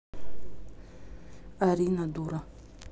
арина дура